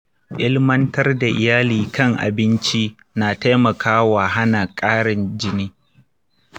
ilmantar da iyali kan abinci na taimakawa hana ƙarancin jini.